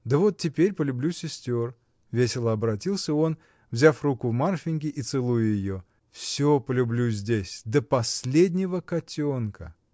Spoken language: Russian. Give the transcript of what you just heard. Да вот теперь полюблю сестер, — весело оборотился он, взяв руку Марфиньки и целуя ее, — всё полюблю здесь — до последнего котенка!